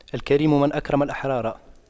الكريم من أكرم الأحرار